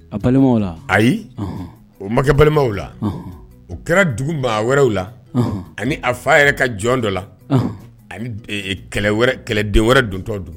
A balimaw la, ayi o ma kɛ balimaw la, o kɛra dugu maa wɛrɛw la ani a fa yɛrɛ ka jɔn dɔ la, unhun, ani kɛlɛden wɛrɛ dontɔ dugu